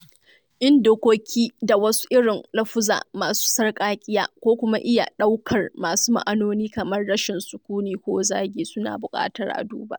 Yin dokoki da wasu irin lafuza masu sarƙaƙiya ko kuma iya ɗaukar wasu ma'anoni kamar "rashin sukuni" ko "zagi" suna buƙatar a duba.